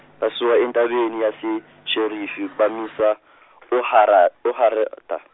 basuka entabeni yaseSherifi bamisa , oHara- oHarta-.